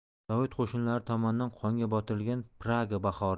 sovet qo'shinlari tomonidan qonga botirilgan praga bahori